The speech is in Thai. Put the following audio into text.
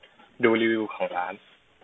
ดูรีวิวของร้าน